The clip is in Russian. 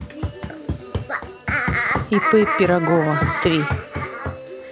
ип пирогова три